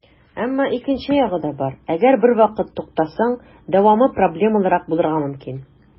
Әмма икенче ягы да бар - әгәр бервакыт туктасаң, дәвамы проблемалырак булырга мөмкин.